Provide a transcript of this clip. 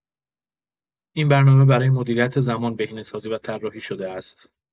این برنامه برای مدیریت زمان بهینه‌سازی و طراحی‌شده است.